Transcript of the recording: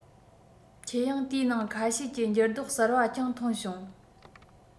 ཁྱེད ཡང དེའི ནང ཁ ཤས ཀྱི འགྱུར ལྡོག གསར པ ཀྱང མཐོང བྱུང